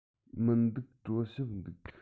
མི འདུག གྲོ ཞིབ འདུག